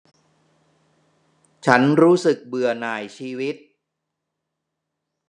ฉันรู้สึกเบื่อหน่ายชีวิต